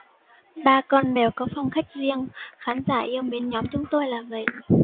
ba con mèo có phong cách riêng khán giả yêu mến nhóm chúng tôi là vậy